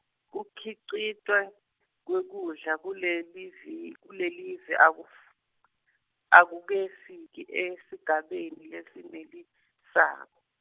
Kukhicitwa kwekudla kulelivi- kulelive akuf- akukefiki esigabeni lesenelisako.